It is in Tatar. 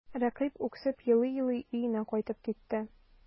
Рәкыйп үксеп елый-елый өенә кайтып китте.